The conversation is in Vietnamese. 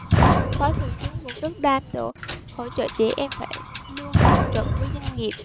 phó thủ tướng vũ đức đam hỗ hỗ trợ trẻ em phải luôn thường trực với doanh nghiệp